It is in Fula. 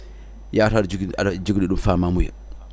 yataw aɗa jogui yatawa aɗa jogani ɗum famamuya